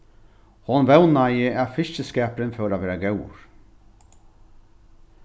hon vónaði at fiskiskapurin fór at vera góður